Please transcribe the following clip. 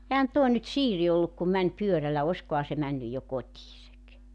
eihän tuo nyt Siiri ollut kun meni pyörällä olisikohan se mennyt jo kotinsa